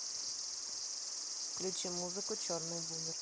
включи музыку черный бумер